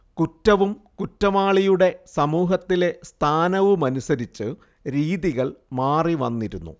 കുറ്റവും കുറ്റവാളിയുടെ സമൂഹത്തിലെ സ്ഥാനവുമനുസരിച്ച് രീതികൾ മാറിവന്നിരുന്നു